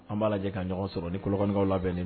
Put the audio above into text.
An ba lajɛ ka ɲɔgɔn sɔrɔ ni kolokani kaw labɛn